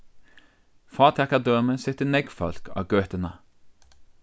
fátækadømi setur nógv fólk á gøtuna